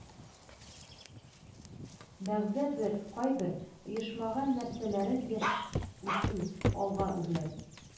Бәгъзе бер (кайбер) оешмаган нәрсәләрен яшь, үсү, алга үрләү